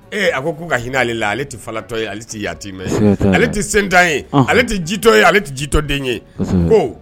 Ee a ko k'u ka hinɛ ale la ale tɛtɔye ale tɛ yati mɛ ale tɛ sentan ye ale tɛ jitɔ ye ale tɛ jitɔden ye ko